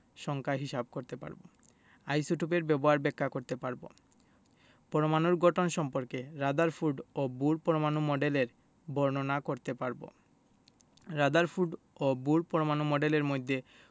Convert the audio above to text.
সংখ্যা হিসাব করতে পারব আইসোটোপের ব্যবহার ব্যাখ্যা করতে পারব পরমাণুর গঠন সম্পর্কে রাদারফোর্ড ও বোর পরমাণু মডেলের বর্ণনা করতে পারব রাদারফোর্ড ও বোর পরমাণু মডেলের মধ্যে